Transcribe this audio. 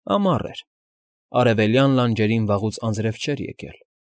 Ամառ էր, արևելյան լանջերին վաղուց անձրև չէր եկել։